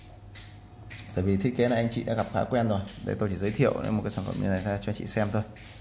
vì thiết kế này anh chị cũng đã quen thuộc tôi chỉ giới thiệu sản phẩm như này để anh chị xem